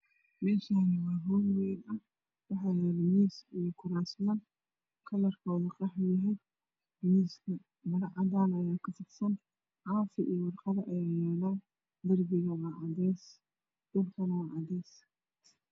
Meshan waa holweyn ah waxa yala miis iyo kurasman kalarkoda qaxwi yahay miiska maro cadaan ayaa ku fidsan caafi iyo warqado ayaa yaalo darbigana waa cades dhulkana waa cades